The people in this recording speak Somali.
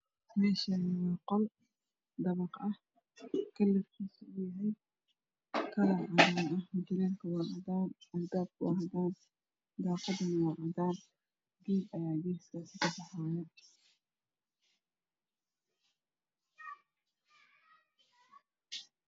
Meeshan waxa weeyo qol dabaq ah kalarkiisu yahay cadaandarbigu waa cadaan